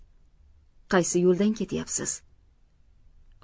qaysi yo'ldan ketyapsiz